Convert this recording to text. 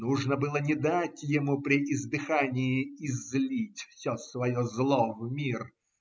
нужно было не дать ему при издыхании излить все свое зло в мир.